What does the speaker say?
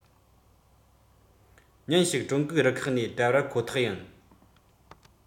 ཉིན ཞིག ཀྲུང གོའི རུ ཁག ནས བྲལ བ ཁོ ཐག ཡིན